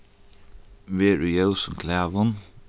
ver í ljósum klæðum